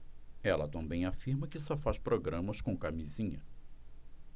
ela também afirma que só faz programas com camisinha